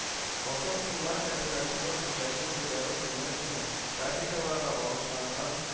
“алтын куллар” кооперативы хуҗасы фирдәүс тумеркина рафековага багышлаган